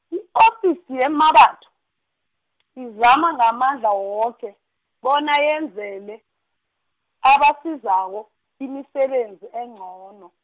i-ofisi yeMmabatho , izama ngamandla woke, bona yenzele, ebasizako imisebenzi engcono.